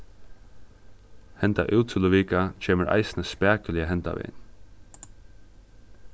henda útsøluvika kemur eisini spakuliga hendavegin